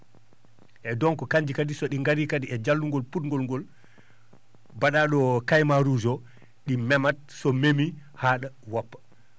eeyi donc kannji kadi so ?i ngarii kadi e jallungol pu?gol ngol mba?aa ?o caiman rouge o ?i memat so memii haa?a woppa